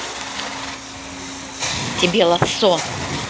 тебе лассо